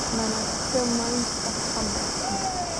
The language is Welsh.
mae 'na gymaint o hanes yma.